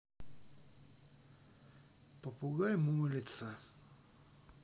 попугай молится